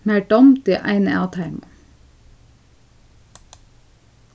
mær dámdi eina av teimum